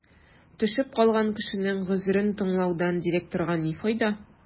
Төшеп калган кешенең гозерен тыңлаудан директорга ни файда?